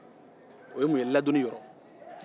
o ye mun ye ladonni yɔrɔ